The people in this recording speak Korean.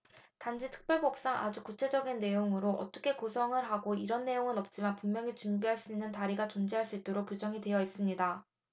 단지 특별법상에 아주 구체적인 내용으로 어떻게 구성을 하고 이런 내용은 없지만 분명히 준비할 수 있는 다리가 존재할 수 있도록 규정이 되어 있습니다